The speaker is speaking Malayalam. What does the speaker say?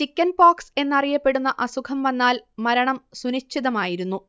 ചിക്കൻപോക്സ് എന്നറിയപ്പെടുന്ന അസുഖം വന്നാൽ മരണം സുനിശ്ചിതമായിരുന്നു